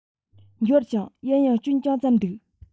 འབྱོར བྱུང ཡིན ཡང སྐྱོན ཅུང ཙམ འདུག